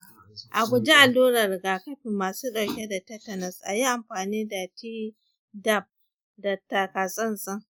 a guji alluran rigakafi masu ɗauke da tetanus. a yi amfani da tdap da taka-tsantsan.